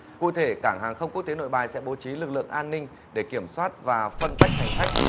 cụ thể cảng hàng không quốc tế nội bài sẽ bố trí lực lượng an ninh để kiểm soát và phân tách hành khách